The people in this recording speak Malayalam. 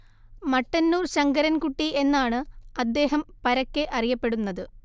മട്ടന്നൂർ ശങ്കരൻ കുട്ടി എന്നാണ് അദ്ദേഹം പരക്കെ അറിയപ്പെടുന്നത്